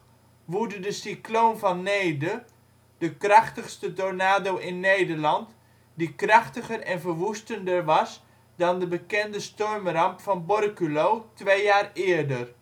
woedde de Cycloon van Neede (de krachtigste tornado in Nederland, die krachtiger en verwoestender was dan de bekende stormramp van Borculo, twee jaar eerder